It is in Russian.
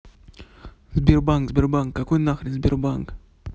сбербанк sberbank какой нахер сбербанк